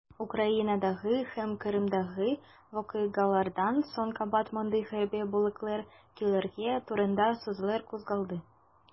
Украинадагы һәм Кырымдагы вакыйгалардан соң кабат мондый хәрби бүлекләр кирәклеге турында сүзләр кузгалды.